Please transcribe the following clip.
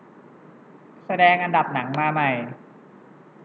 แสดงอันดับหนังมาใหม่